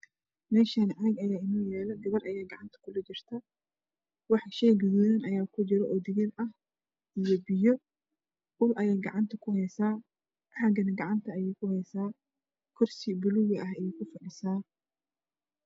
Meshaan caag ayaa inoo yaalo gabar ayaa gacanta kulajirto shay guduudan ayaa kujiro o digir ah biyo ah ul ayay gacanta kuhysaa caagana gacanta ayay ku haysaa kursi buluug ah ayay ku fadhisaa